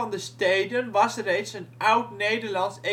de steden was reeds een oud Nederlands